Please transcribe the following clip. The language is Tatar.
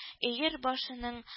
Өер башының